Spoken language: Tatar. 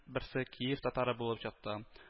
Берсе киев татары булып чыкты